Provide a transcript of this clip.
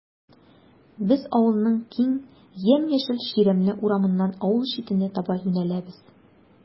Без авылның киң, ямь-яшел чирәмле урамыннан авыл читенә таба юнәләбез.